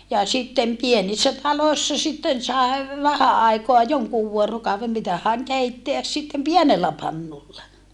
ja sitten pienissä taloissa sitten sai vähän aikaa jonkun vuorokauden mitähän keittää sitten pienellä pannulla